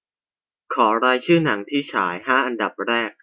ขอรายชื่อหนังที่ฉายห้าอันดับแรก